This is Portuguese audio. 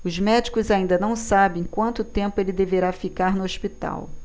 os médicos ainda não sabem quanto tempo ele deverá ficar no hospital